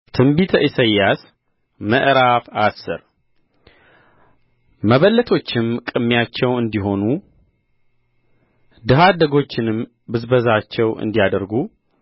ትንቢተ ኢሳይያስ ምዕራፍ አስር መበለቶችም ቅሚያቸው እንዲሆኑ ድሀ አደጎችንም ብዝበዛቸው እንዲያደርጉ